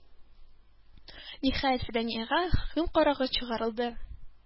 Ниһаять, Фиданиягә хөкем карары чыгарылды.